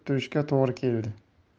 turishga to'g'ri keldi